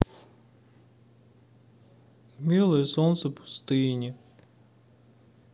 белое солнце пустыни